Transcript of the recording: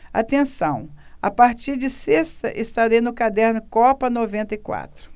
atenção a partir de sexta estarei no caderno copa noventa e quatro